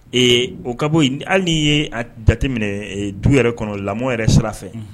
Ee o ka bo yen. Hali ni ye a jateminɛ du yɛrɛ kɔnɔ lamɔ yɛrɛ sira fɛ.